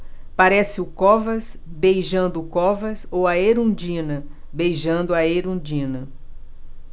parece o covas beijando o covas ou a erundina beijando a erundina